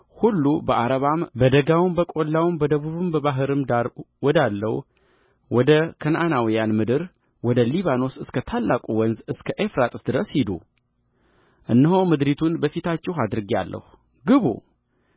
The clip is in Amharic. ሁሉ በዓረባም በደጋውም በቈላውም በደቡብም በባሕርም ዳር ወዳሉ ወደ ከነዓናውያን ምድር ወደ ሊባኖስም እስከ ታላቁ ወንዝም እስከ ኤፍራጥስ ድረስ ሂዱእነሆ ምድሪቱን በፊታችሁ አድርጌአለሁ ግቡ